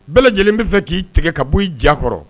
Bɛɛ lajɛlen bɛ' fɛ k'i tigɛ ka bɔ i jakɔrɔ